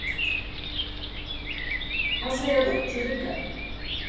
hann segði at einki riggaði